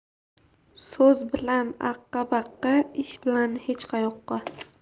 so'z bilan aqqa baqqa ish bilan hech qayoqqa